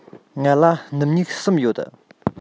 ང ལ སྣུམ སྨྱུག གསུམ ཡོད